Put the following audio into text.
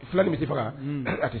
Fula ni min bɛ tɛ faga a tɛ